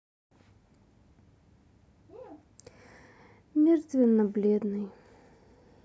мертвенно бледный